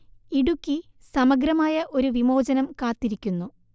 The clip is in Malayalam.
ഇടുക്കി സമഗ്രമായ ഒരു വിമോചനം കാത്തിരിക്കുന്നു